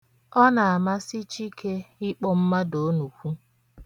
Ọ na-amasị Chike ịkpọ mmadụ onukwu.